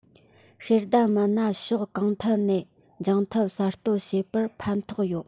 ཤེས ལྡན མི སྣ ཕྱོགས གང ཐད ནས འབྱུང ཐབས གསར གཏོད བྱེད པར ཕན ཐོགས ཡོད